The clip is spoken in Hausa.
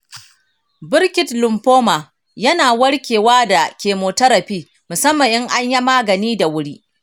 burkitt lymphoma yana warkewa da chemotherapy, musamman in anyi magani da wuri.